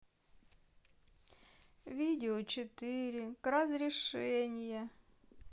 видео четыре к разрешение